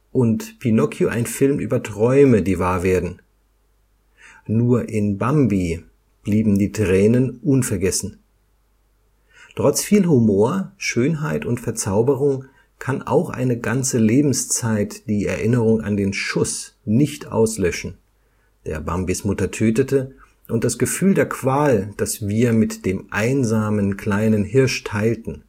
und Pinocchio ein Film über Träume, die wahr werden. Nur in Bambi blieben die Tränen unvergessen. Trotz viel Humor, Schönheit und Verzauberung kann auch eine ganze Lebenszeit die Erinnerung an den Schuss nicht auslöschen, der Bambis Mutter tötete und das Gefühl der Qual, das wir mit dem einsamen, kleinen Hirsch teilten